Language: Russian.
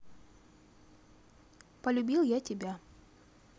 полюбил я тебя